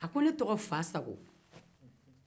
a ko ne tɔgɔ fasago